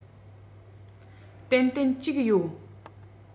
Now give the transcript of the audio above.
ཏན ཏན གཅིག ཡོད